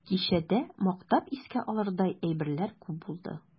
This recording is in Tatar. Кичәдә мактап искә алырдай әйберләр күп булды.